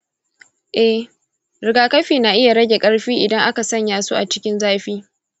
eh, rigakafi na iya rage karfi idan aka sanya su a cikin zafi.